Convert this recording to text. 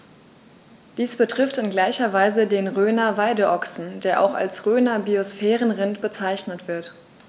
Dies betrifft in gleicher Weise den Rhöner Weideochsen, der auch als Rhöner Biosphärenrind bezeichnet wird.